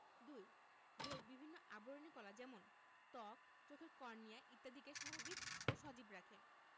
২. দেহের বিভিন্ন আবরণী কলা যেমন ত্বক চোখের কর্নিয়া ইত্যাদিকে স্বাভাবিক ও সজীব রাখে